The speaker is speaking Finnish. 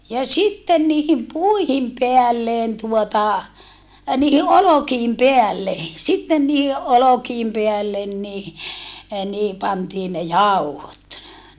ja sitten niiden puiden päälle tuota niiden olkien päälle sitten niiden olkien päälle niin niihin pantiin ne jauhot